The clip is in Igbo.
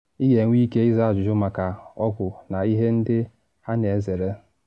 Ị ga-enwe ike ịza ajụjụ maka ọgwụ na ihe ndị ha na ezere?